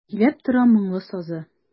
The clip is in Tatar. Көйләп тора моңлы сазы.